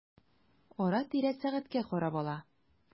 Ара-тирә сәгатькә карап ала.